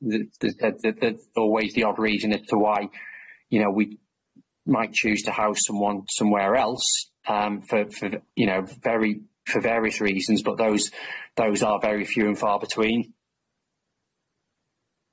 The the the the always the odd reason as to why you know we might choose to house someone somewhere else yym for for the you know very for various reasons but those those are very few and far between.